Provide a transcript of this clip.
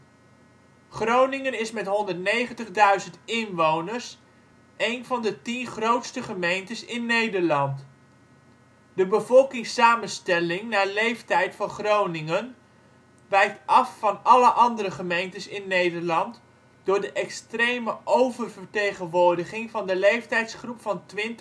Groningen is met 190.000 inwoners een van de tien grootste gemeentes in Nederland. De bevolkingssamenstelling naar leeftijd van Groningen wijkt af van alle anderen gemeentes in Nederland door de extreme oververtegenwoordiging van de leeftijdsgroep van 20 – 25.